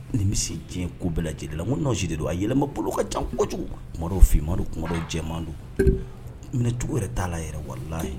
Ni misi se diɲɛ ko bɛɛ lajɛlen la ko nɔnsi de don a yɛlɛma bolo ka cacogo kuma fmamadu kuma cɛman don minɛcogo yɛrɛ' la yɛrɛ warilayi